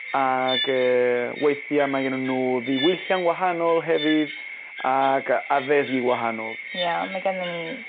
Ag yy weithia mae gennyn n'w ddiwyllian wahanol hefydd ag yy addysgu wahanol. Ia mae gennon ni